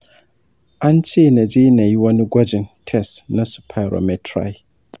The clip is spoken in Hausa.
ance na je nayi wani gwajin tes na spirometry.